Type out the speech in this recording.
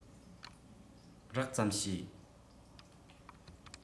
རགས ཙམ ཤེས